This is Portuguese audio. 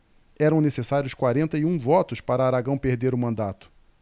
eram necessários quarenta e um votos para aragão perder o mandato